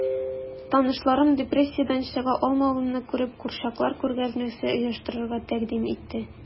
Танышларым, депрессиядән чыга алмавымны күреп, курчаклар күргәзмәсе оештырырга тәкъдим итте...